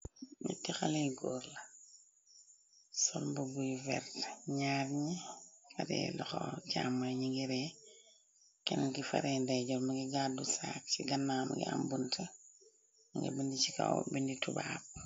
Nyitti xale yu góor la sol mbubuyu verte ñyaari ñi xateelu xo chammoi ñi ngi ree kenn gi fare dey jornu ngi gaddu saak ci gannaam gi ambunte inga bindi ci kaw bindi tubaab.